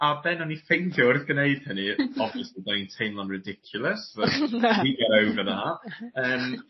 a be' nawn ni ffeindio wrth gneud hynny obviously byddai'n teimlo'n ridiculous but we get over that yym